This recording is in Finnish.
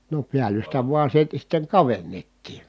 no päällystä vain siitä sitten kavennettiin